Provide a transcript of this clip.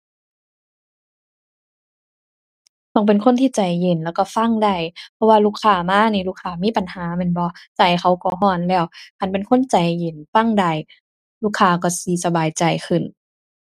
ต้องเป็นคนที่ใจเย็นแล้วก็ฟังได้ เพราะว่าลูกค้ามานี่ ลูกค้ามีปัญหาแม่นบ่ ใจเขาก็ก็แล้ว คันเป็นคนใจเย็น ฟังได้ ลูกค้าก็สิสบายใจขึ้น